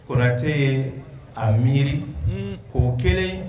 Kotɛ ye a miiri k'o kelen